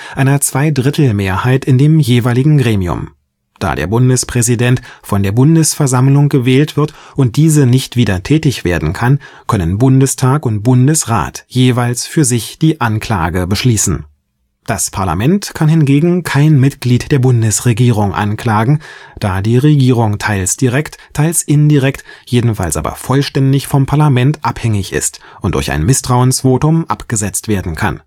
einer Zweidrittelmehrheit in dem jeweiligen Gremium (Art. 61 GG). Da der Bundespräsident von der Bundesversammlung gewählt wird und diese nicht wieder tätig werden kann, können Bundestag und Bundesrat jeweils für sich die Anklage beschließen. Das Parlament kann hingegen kein Mitglied der Bundesregierung anklagen, da die Regierung teils direkt, teils indirekt, jedenfalls aber vollständig vom Parlament abhängig ist und durch ein Misstrauensvotum abgesetzt werden kann